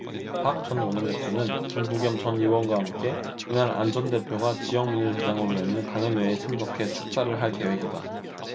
박 전 원내대표는 김부겸 전 의원과 함께 이날 안 전 대표가 지역민을 대상으로 여는 강연회에 참석해 축사를 할 계획이다